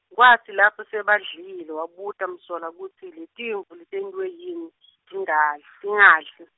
kwatsi lapho sebadlile, wabuta Msolwa kutsi letimvu letentiwe yini, tingadli tingadli.